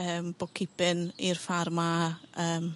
Yym book keeping i'r ffarm a yym